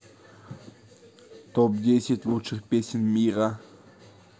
топ десять лучших песен мира